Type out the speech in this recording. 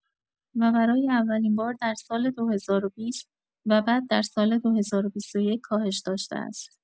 و برای اولین بار در سال ۲۰۲۰ و بعد در سال ۲۰۲۱ کاهش داشته است.